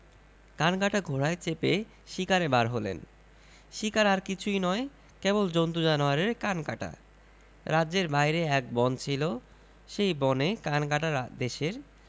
কানকাটা ঘোড়ায় চেপে শিকারে বার হলেন শিকার আর কিছুই নয় কেবল জন্তু জানোয়ারের কান কাটা রাজ্যের বাইরে এক বন ছিল সেই বনে কানকাটা দেশের